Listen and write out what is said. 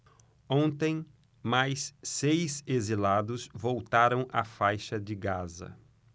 ontem mais seis exilados voltaram à faixa de gaza